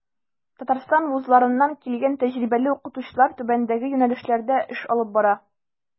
Татарстан вузларыннан килгән тәҗрибәле укытучылар түбәндәге юнәлешләрдә эш алып бара.